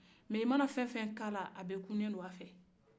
nka i mana fɛn o fɛn kɛ a la a bɛɛ kulen don a fɛ